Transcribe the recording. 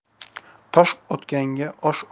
tosh otganga osh ot